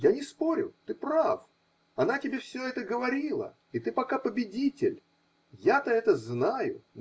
Я не спорю, ты прав, она тебе все это говорила, и ты пока победитель. Я-то это знаю.